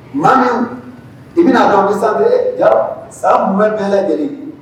Maa min i bɛnami sanfɛ bɛɛ ja san mun bɛ mɛn lajɛlen